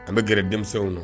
An bɛ gɛrɛ denmisɛnww na